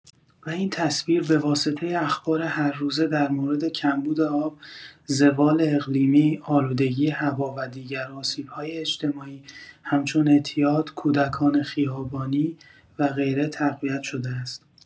و این تصویر به واسطه اخبار هر روزه در مورد کمبود آب، زوال اقلیمی، آلودگی هوا و دیگر آسیب‌های اجتماعی همچون اعتیاد، کودکان خیابانی و غیره تقویت‌شده است.